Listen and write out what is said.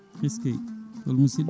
eskey hol musidɗo